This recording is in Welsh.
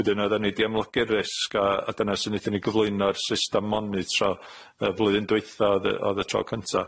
Wedyn oddan ni 'di amlygu'r risg a a dyna sut naethon ni gyflwyno'r system monitro yy flwyddyn dwetha o'dd y o'dd y tro cynta.